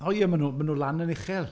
O ie, maen nhw maen nhw lan yn uchel.